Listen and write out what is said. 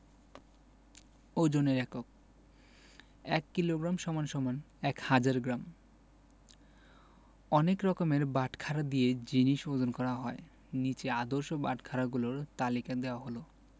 ওজনের এককঃ ১ kilogram = ১০০০ gram অনেক রকমের বাটখারা দিয়ে জিনিস ওজন করা হয় নিচে আদর্শ বাটখারাগুলোর তালিকা দেয়া হলঃ